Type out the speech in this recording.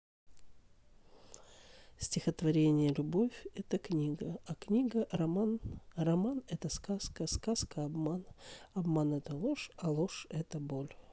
стихотворение любовь это книга а книга роман роман это сказка сказка обман обман это ложь а ложь это боль